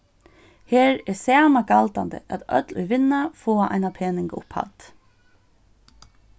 her er sama galdandi at øll ið vinna fáa eina peningaupphædd